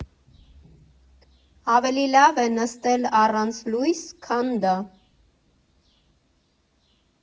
Ավելի լավ է նստել առանց լույս, քան դա։